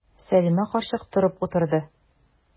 Сәлимә карчык торып утырды.